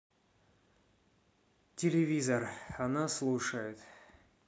телевизор она слушает